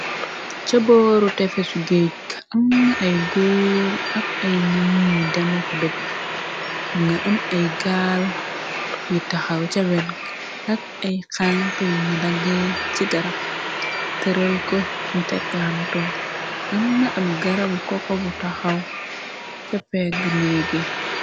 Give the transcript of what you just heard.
Sa booru tefesu géej am na ay góor ak ay nit ñuy dema ko dëpb monga am ay gaal yu taxaw ca wedga ak ay xanxa yuñu daggee ci garab tërël ko mu teklanto am na ab garab coco bu taxaw sa peggi neeg gi.